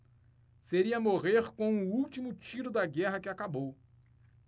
seria morrer com o último tiro da guerra que acabou